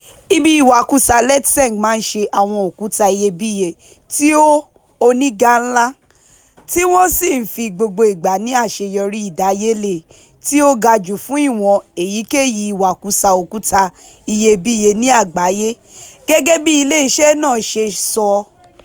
Ibi ìwakùsà Letseng máa ń ṣe àwọn òkúta iyebíye tí ó oníga ńlá, tí wọ́n sì ń fi gbogbo ìgbà ní àṣeyọrí ìdáyelé tí ó ga jù fún ìwọ̀n èyíkéyìí ìwakùsà òkúta iyebíye ní àgbáyé, gẹ́gẹ́ bí ilé iṣẹ́ náà ṣe sọ.